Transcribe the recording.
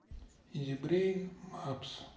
зе брейн мапс